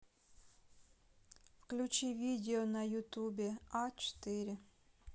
включи видео на ютубе а четыре